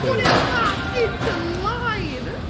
Put him back into line!